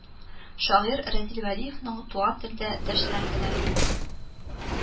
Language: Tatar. Шагыйрь Разил Вәлиевнең Туган телдә дәшсәм генә